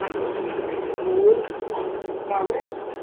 acos bo' ni'n cyfeirio nôl at yr athrawes